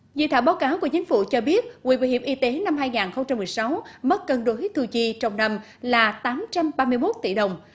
dự thảo báo cáo của chính phủ cho biết quỹ bảo hiểm y tế năm hai ngàn không trăm mười sáu mất cân đối thu chi trong năm là tám trăm ba mươi mốt tỷ đồng